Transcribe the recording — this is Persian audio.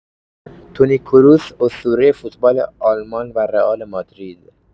تونی کروس، اسطوره فوتبال آلمان و رئال مادرید